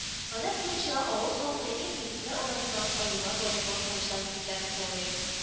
Гадәт буенча, авыл халкы ир-егетләр арасыннан аюлар ролен башкарачак егетләрне сайлый